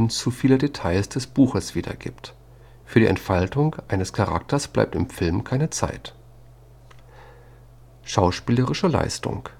zu viele Details des Buches wiedergibt: „ Für die Entfaltung eines Charakters bleibt im Film keine Zeit. “Schauspielerische Leistung